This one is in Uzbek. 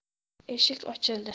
eshik ochildi